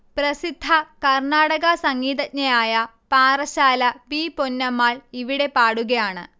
പ്രസിദ്ധ കർണാടക സംഗീതജ്ഞയായ പാറശ്ശാല പി പൊന്നമ്മാൾ ഇവിടെ പാടുകയാണ്